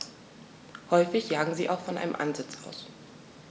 Häufig jagen sie auch von einem Ansitz aus.